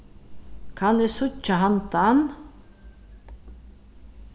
kann eg síggja handan